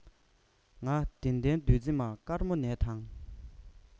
ང བདེ ལྡན བདུད རྩི མ དཀར མོ ནས དང